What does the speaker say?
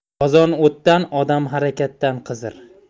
qozon o'tdan odam harakatdan qizir